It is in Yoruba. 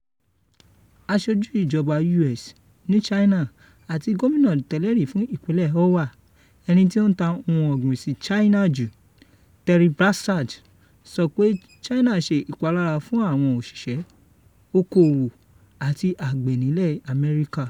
Aṣojú ìjọba U.S. ni China àti Gómìnà tẹ́lẹ̀ rí fún ìpínlẹ̀ Iowa, ẹni tí ó ń ta ohun ògbìn sí China jù, Terry Branstad sọ pé China ṣe ìpalára fún àwọn òṣìṣẹ́, okoòwò àti àgbẹ̀ nílẹ̀ Amẹ́ríkà.